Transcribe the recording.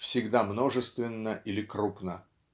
всегда множественно или крупно.